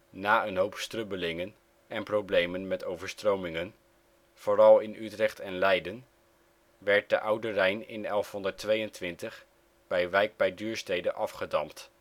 Na een hoop strubbelingen en problemen met overstromingen, vooral in Utrecht en Leiden, werd de Oude Rijn in 1122 bij Wijk bij Duurstede afgedamd